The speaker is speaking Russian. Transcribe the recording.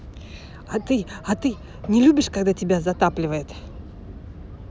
а ты а ты не любишь когда тебя затапливает